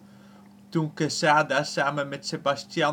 Quesada samen met Sebastián